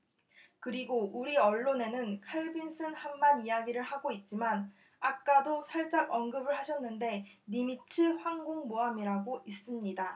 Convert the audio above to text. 그리고 우리 언론에는 칼빈슨함만 이야기를 하고 있지만 아까 도 살짝 언급을 하셨는데 니미츠 항공모함이라고 있습니다